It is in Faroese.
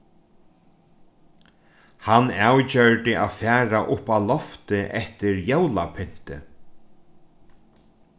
hann avgjørdi at fara upp á loftið eftir jólapynti